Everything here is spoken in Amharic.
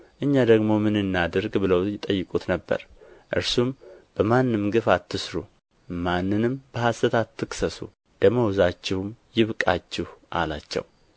እኛ ደግሞ ምን እናድርግ ብለው ይጠይቁት ነበር እርሱም በማንም ግፍ አትሥሩ ማንንም በሐሰት አትክሰሱ ደመወዛችሁም ይብቃችሁ አላቸው